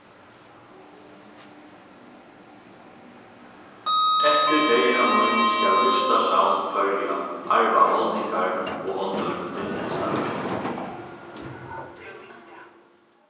eftir deyða mín skal listasavn føroya arva málningar og onnur myndlistaverk